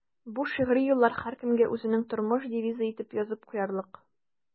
Бу шигъри юллар һәркемгә үзенең тормыш девизы итеп язып куярлык.